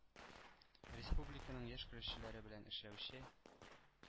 Республиканың яшь көрәшчеләр белән эшләүче